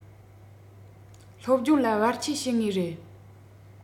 སློབ སྦྱོང ལ བར ཆད བྱེད ངེས རེད